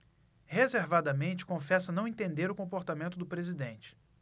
reservadamente confessa não entender o comportamento do presidente